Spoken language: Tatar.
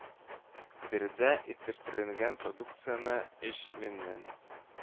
Биредә итештерелгән продукцияне өч меңнән